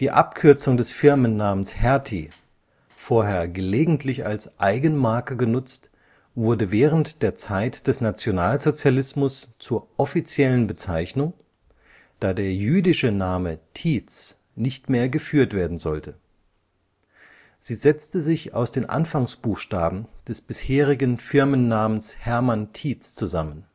Abkürzung des Firmennamens Hertie, vorher gelegentlich als Eigenmarke genutzt, wurde während der Zeit des Nationalsozialismus zur offiziellen Bezeichnung, da der jüdische Name Tietz nicht mehr geführt werden sollte. Sie setzte sich aus den Anfangsbuchstaben des bisherigen Firmennamens Hermann Tietz zusammen